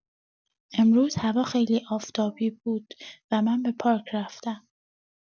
امروز هوا خیلی آفتابی بود و من به پارک رفتم.